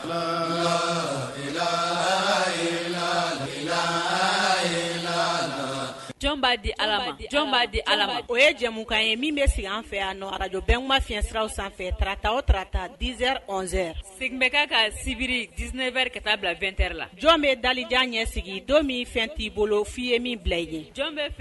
A di di ala o ye jamumukan ye min bɛ sigi an fɛ yanjɔ bɛɛ ma fiɲɛyɛnsiraw sanfɛ tata o tata diz bɛ ka ka sibiri dsinɛ wɛrɛ ka taa bila2t la jɔn bɛ dalijan ɲɛ sigi don min fɛn t'i bolo fi ye min bila i